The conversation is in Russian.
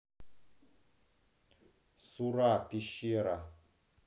сура пещера